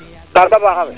kaaga faaxa fe